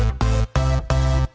ten